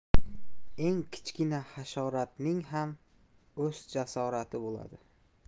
eng kichkina hasharotning ham o'z jasorati bo'ladi